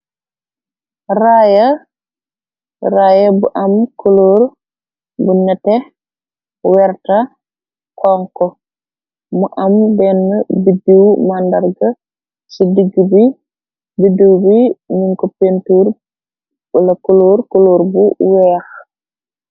Raya bu am koloor bu nete werta kongko mu am benn biddiw màndarga ci digg bi biddiw bi nin ko pentur bula koloor koloor bu weex